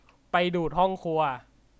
ไปดูดห้องครัว